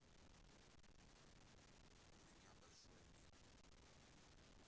у меня большой нету